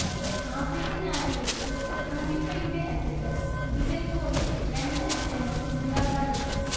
African ആനകൾക്ക് തുമ്പിക്കൈയുടെ അറ്റത്ത് വിരൽ പോലെ രണ്ട് അറ്റങ്ങൾ ഉണ്ടാകാറുണ്ട്